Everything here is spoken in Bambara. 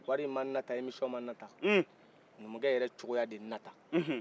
wari ma n nata emission ma nata numukɛ yɛrɛ de cokoya ye n nata